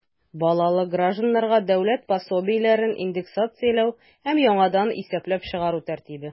Балалы гражданнарга дәүләт пособиеләрен индексацияләү һәм яңадан исәпләп чыгару тәртибе.